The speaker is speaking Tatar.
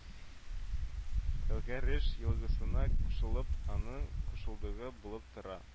Елга Реж елгасына кушылып, аның кушылдыгы булып тора